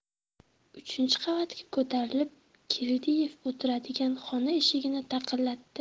uchinchi qavatga ko'tarilib keldiev o'tiradigan xona eshigini taqillatdi